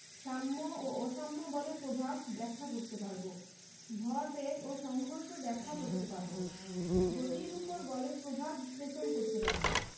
সাম্য ও অসাম্য বলের প্রভাব ব্যাখ্যা করতে পারব ভরবেগ এবং সংঘর্ষ ব্যাখ্যা করতে পারব গতির উপর বলের প্রভাব বিশ্লেষণ করতে পারব